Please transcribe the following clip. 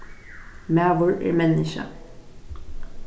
maður er menniskja